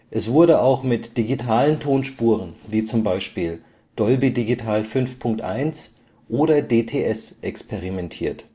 Es wurde auch mit digitalen Tonspuren wie zum Beispiel Dolby Digital 5.1 oder DTS experimentiert